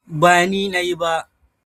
Ba ni nayi ba.”